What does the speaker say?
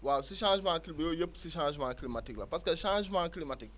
waaw si changement kii bi yooyu yëpp si changement climatique la parce que changement climatique